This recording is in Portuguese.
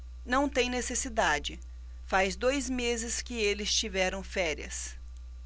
não tem necessidade faz dois meses que eles tiveram férias